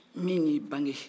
min y'i bange